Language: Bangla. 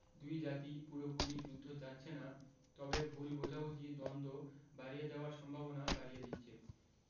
দুই জাতিই পুরোপুরি যুদ্ধ চাচ্ছে না তবে ভুল বোঝাবুঝি দ্বন্দ্ব বাড়িয়ে দেওয়ার সম্ভাবনা বাড়িয়ে দিচ্ছে